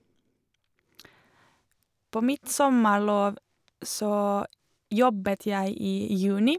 På mitt sommarlov så jobbet jeg i juni.